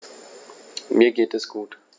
Mir geht es gut.